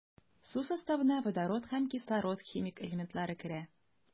Су составына водород һәм кислород химик элементлары керә.